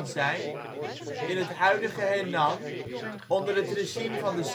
zijn, in het huidige Henan. Onder het regime van de